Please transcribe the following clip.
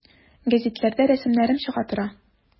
Гәзитләрдә рәсемнәрем чыга тора.